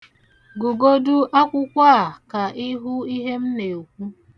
Gụ godu akwụkwọ a ka ị hụ ihe m na-ekwu.